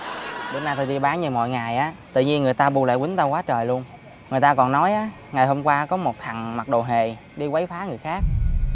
bữa nay tui đi bán như mọi ngày á tự nhiên người ta bu lại quýnh tao quá trời luôn người ta còn nói á ngày hôm qua có một thằng mặc đồ hề đi quấy phá người khác